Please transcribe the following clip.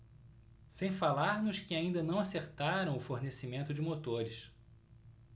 sem falar nos que ainda não acertaram o fornecimento de motores